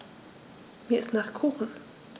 Mir ist nach Kuchen.